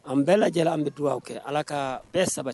An bɛɛ lajɛlen an bɛ dug kɛ ala ka bɛɛ saba